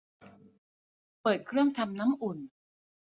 เปิดเครื่องทำน้ำอุ่น